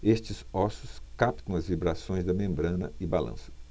estes ossos captam as vibrações da membrana e balançam